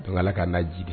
Don k'a'a ji